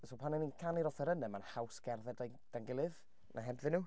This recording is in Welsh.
So pan 'y ni'n canu'r offerynnau, mae'n haws cerdded 'da ei... 'da'n gilydd na hebddyn nhw.